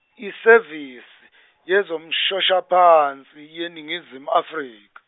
iSevisi yezoMshoshaphansi yeNingizimu Afrika.